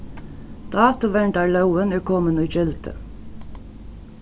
dátuverndarlógin er komin í gildi